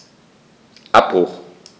Abbruch.